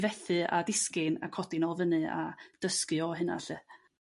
I fethu a disgyn a codi nol fyny a dysgu o hyna 'lly.